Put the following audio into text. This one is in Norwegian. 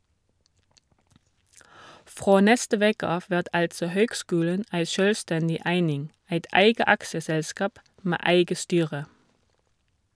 Frå neste veke av vert altså høgskulen ei sjølvstendig eining, eit eige aksjeselskap med eige styre.